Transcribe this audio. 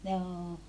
joo